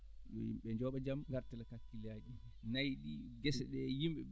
yo yimɓe njooɓo jam ngartira kakkillaaji nayi ɗii gese ɗee yimɓe ɓee